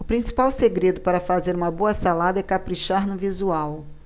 o principal segredo para fazer uma boa salada é caprichar no visual